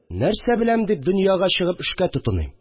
Нәрсә беләм дип дөньяга чыгып, эшкә тотыныйм